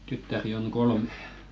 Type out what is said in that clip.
tyttäriä on kolme